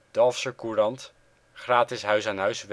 Dalfser Courant, gratis huis-aan-huis